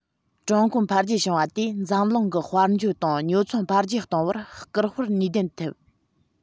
ཀྲུང གོ འཕེལ རྒྱས བྱུང བ དེས འཛམ གླིང གི དཔལ འབྱོར དང ཉོ ཚོང འཕེལ རྒྱས གཏོང བར སྐུལ སྤེལ ནུས ལྡན ཐེབས